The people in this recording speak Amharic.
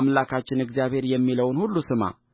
አምላካችን እግዚአብሔር የሚለውን ሁሉ ስማ